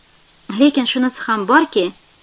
lekin shunisi ham borki